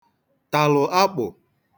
tàlụ̀ akpụ